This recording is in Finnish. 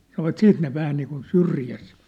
sanoivat sitten ne vähän niin kuin syrjässä